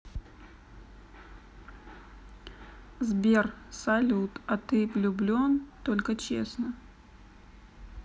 сбер салют а ты влюблен только честно